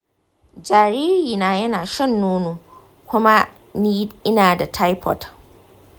jaririna yana shan nono kuma ni ina da taifoid.